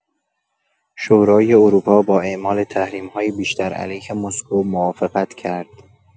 شورای اروپا با اعمال تحریم‌های بیشتر علیه مسکو موافقت کرد.